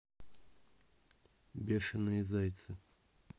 бешеные зайцы